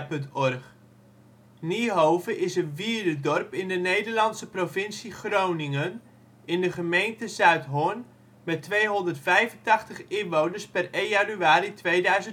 OL Niehove Plaats in Nederland Situering Provincie Groningen Gemeente Zuidhorn Coördinaten 53° 17′ NB, 6° 22′ OL Algemeen Inwoners (1 januari 2011) 285 Overig Postcode 9884 Portaal Nederland Niehove (Gronings: Nijhoof) is een wierdedorp in de Nederlandse provincie Groningen, in de gemeente Zuidhorn met 285 inwoners (1 januari 2011). Het